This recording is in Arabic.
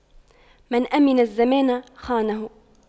من أَمِنَ الزمان خانه